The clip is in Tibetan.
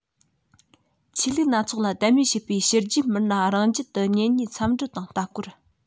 ཆོས ལུགས སྣ ཚོགས ལ དད མོས བྱེད པའི ཕྱི རྒྱལ མི སྣ རང རྒྱལ དུ གཉེན ཉེར འཚམས འདྲི དང ལྟ སྐོར